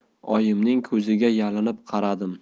oyimning ko'ziga yalinib qaradim